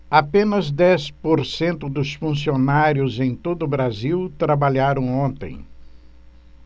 apenas dez por cento dos funcionários em todo brasil trabalharam ontem